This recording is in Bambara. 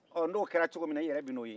ɔɔ n'o kɛra cogo minna i yɛrɛ bɛn'o ye